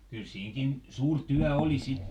kyllä siinäkin suuri työ oli sitten